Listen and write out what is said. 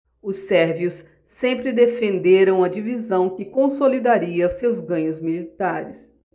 os sérvios sempre defenderam a divisão que consolidaria seus ganhos militares